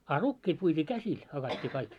a rukiit puitiin käsillä hakattiin kaikki